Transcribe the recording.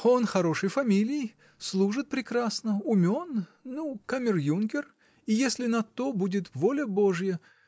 Он хорошей фамилии, служит прекрасно, умен, ну, камер-юнкер, и если на то будет воля божия.